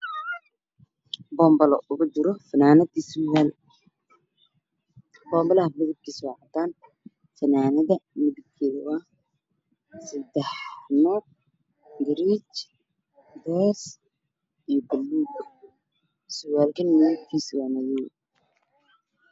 Boon balo uugu jiro fanaanad iyo surwaal boon balaha midab kiisu waa cadaan fanaanada midab keedu waa saddex nooc gaduud cadays iyo baluug sarwaalkana midabkiisu waa madow